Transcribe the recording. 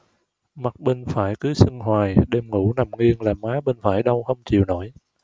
mặt bên phải cứ sưng hoài đêm ngủ nằm nghiêng là má bên phải đau không chịu nổi